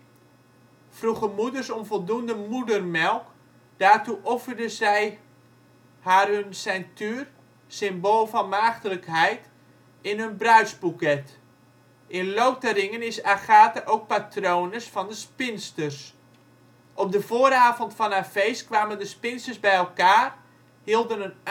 vroegen moeders om voldoende moedermelk. Daartoe offerden zij haar hun ceintuur (symbool van maagdelijkheid) en hun bruidsboeket. In Lotharingen is Agatha ook patrones van de spinsters. Op de vooravond van haar feest kwamen de spinsters bij elkaar, hielden een avondwake